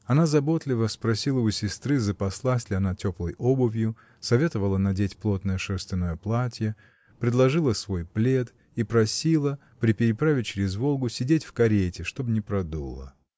Она заботливо спросила у сестры, запаслась ли она теплой обувью, советовала надеть плотное шерстяное платье, предложила свой плед и просила, при переправе чрез Волгу, сидеть в карете, чтоб не продуло.